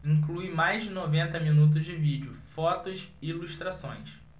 inclui mais de noventa minutos de vídeo fotos e ilustrações